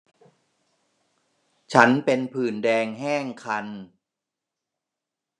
ฉันเป็นผื่นแดงแห้งคัน